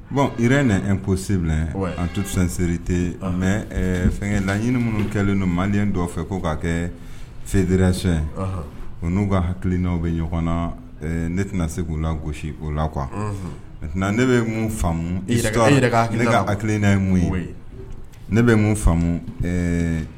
Bon i yɛrɛ na n kosi an tusensɛrite mɛ fɛn laɲini minnu kɛlen mali dɔ fɛ ko k'a kɛ feeredresɛn olu n'u ka hakiliina bɛ ɲɔgɔn na ne tɛna se k'u la gosi o la qu ne bɛ mun faamu hakilikiina ye mun ye ne bɛ mun faamu